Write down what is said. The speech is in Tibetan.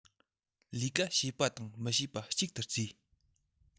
ལས ཀ བྱེད པ དང མི བྱེད པ གཅིག ལྟར བརྩིས